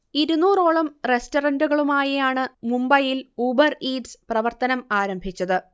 ഇരുന്നൂറോളം റെസ്റ്ററന്റുകളുമായി ആണ് മുംബൈയിൽ ഊബർ ഈറ്റ്സ് പ്രവർത്തനം ആരംഭിച്ചത്